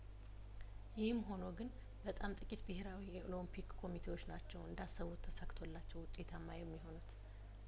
ይህም ሆኖ ግን በጣም ጥቂት ብሄራዊ የኦሎምፒክ ኮሚቴዎች ናቸው እንዳሰቡት ተሳክቶላቸው ውጤታማ የሚሆኑት